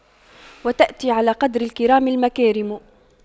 وتأتي على قدر الكرام المكارم